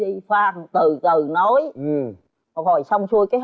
khoan từ từ nói phục hồi xong xuôi cái